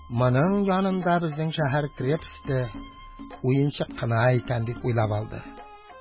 «моның янында безнең шәһәр крепосте уенчык кына икән», – дип уйлап алды.